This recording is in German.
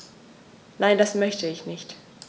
Nein, das möchte ich nicht.